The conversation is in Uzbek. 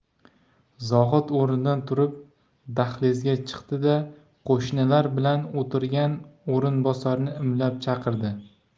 zohid o'rnidan turib dahlizga chiqdi da qo'shnilar bilan o'tirgan o'rinbosarni imlab chaqirdi